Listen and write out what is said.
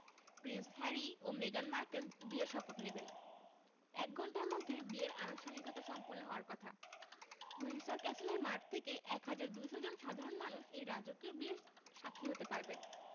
Prince Harry ও মেগান Markle বিয়ের শপথ নেবেন এক ঘণ্টার মধ্যে বিয়ের আনুষ্ঠানিকতা সম্পন্ন হওয়ার কথা উইন্ডসর ক্যাসেলের মাঠ থেকে ১হাজার ২০০ জন সাধারণ মানুষ এই রাজকীয় বিয়ের সাক্ষী হতে পারবেন